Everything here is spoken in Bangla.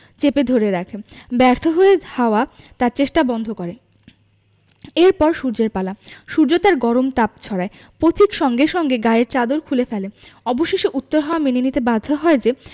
চেপে ধরে রাখে ব্যর্থ হয়ে হাওয়া তার চেষ্টা বন্ধ করে এর পর সূর্যের পালা সূর্য তার গরম তাপ ছড়ায় পথিক সঙ্গে সঙ্গে তার গায়ের চাদর খুলে ফেলে অবশেষে উত্তর হাওয়া মেনে নিতে বাধ্য হয় যে